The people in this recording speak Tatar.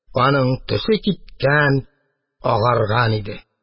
Аның төсе киткән, агарган иде.